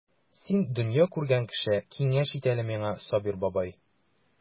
Син дөнья күргән кеше, киңәш ит әле миңа, Сабир бабай.